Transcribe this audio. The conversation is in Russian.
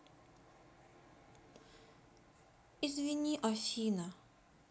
извини афина